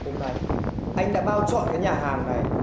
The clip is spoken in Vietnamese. hôm nay anh đã bao trọn cái nhà hàng này